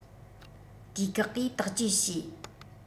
དུས བཀག གིས དག བཅོས བྱས